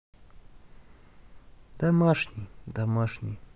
домашний домашний